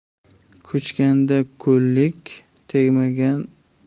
ko'chganda ko'lik tegmagan